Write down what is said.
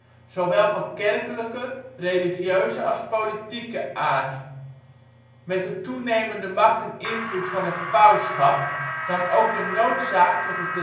zowel van kerkelijke, religieuze als politieke aard. Met de toenemende macht en invloed van het pausschap, nam ook de noodzaak tot het